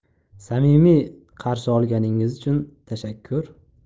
samimiy qarshi olganingiz uchun tashakkur